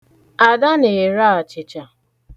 Ada na-ere achịcha.